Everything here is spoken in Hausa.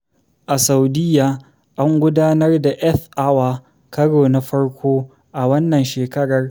A Saudiyya, an gudanar da Earth Hour karo na farko a wannan shekarar.